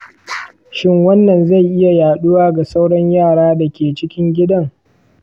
shin wannan zai iya yaɗuwa ga sauran yara da ke cikin gidan?